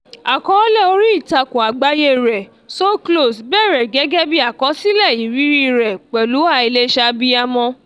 Àkọọ́lẹ̀ oríìtakùn àgbáyé rẹ̀, So Close, bẹ̀rẹ̀ gẹ́gẹ́ bíi àkọsílẹ̀ ìrírí rẹ̀ pẹ̀lú àìlèṣabiyamọ.